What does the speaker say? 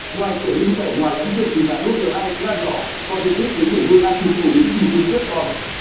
ngoài sở hữu vẻ ngoài ấn tượng thì gà rhode island đỏ còn được biết đến để nuôi ăn thịt phổ biến vì thịt rất ngon